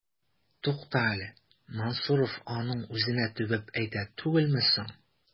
Тукта әле, Мансуров аның үзенә төбәп әйтә түгелме соң? ..